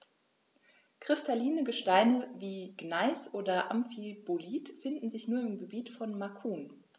Kristalline Gesteine wie Gneis oder Amphibolit finden sich nur im Gebiet von Macun.